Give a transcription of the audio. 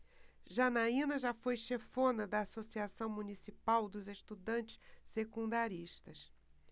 janaina foi chefona da ames associação municipal dos estudantes secundaristas